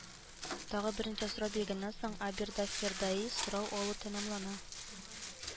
Тагы берничә сорау биргәннән соң, Обердофердаи сорау алу тәмамлана